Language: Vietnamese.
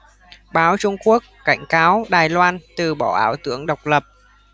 báo trung quốc cảnh cáo đài loan từ bỏ ảo tưởng độc lập